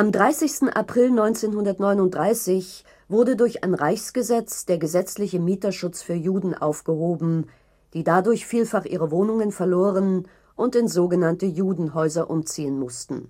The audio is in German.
30. April 1939 wurde durch ein Reichsgesetz der gesetzliche Mieterschutz für Juden aufgehoben, die dadurch vielfach ihre Wohnungen verloren und in sogenannte „ Judenhäuser “umziehen mussten